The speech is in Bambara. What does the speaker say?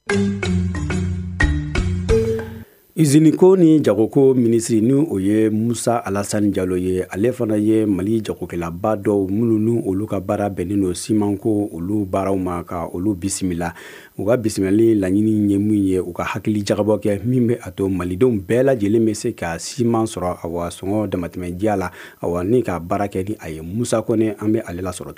Zi ko ni jagoko minisiri n ni o ye musa alasa jalo ye ale fana ye mali jagokɛlaba dɔ minnu ni olu ka baara bɛnnen don siman ko olu baararaww ma ka olu bisimila u ka bisimilali laɲini ye min ye u ka hakili jabɔ kɛ min bɛ a to malidenw bɛɛ lajɛlen bɛ se ka siman sɔrɔ a wa sɔngɔ damatimɛdiya la wa ni ka baara kɛ di a ye musa kɔn an bɛ alesɔrɔ